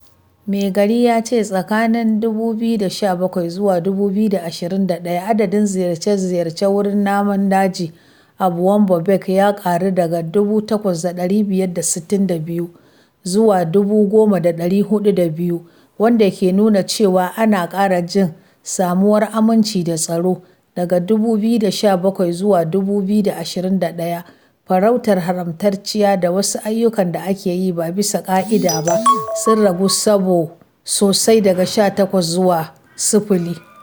Meigari ya ce tsakanin 2017 zuwa 2021, adadin ziyarce-ziyarce wurin namun daji a Boumba Bek ya ƙaru daga 8,562 zuwa 10,402, wanda ke nuna cewa ana ƙara jin samuwar aminci da tsaro: "Daga 2017 zuwa 2021, farautar haramtacciya da wasu ayyukan da ake yi ba bisa ƙa'ida ba sun ragu sosai, daga 18 zuwa 0."